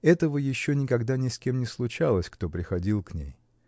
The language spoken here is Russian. Этого еще никогда ни с кем не случалось, кто приходил к ней.